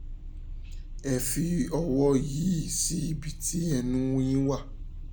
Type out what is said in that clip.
Ẹ fi owó yín sí ibi tí ẹnu yín wà.